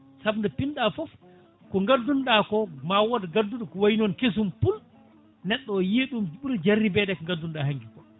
saabu nde pinɗa foof ko ganduno ɗako ma wooda gadduɗo ko way noon keesum puul neɗɗo o yiiya ɗum ɓuura jarlibede ko ganduno ɗa hankki ko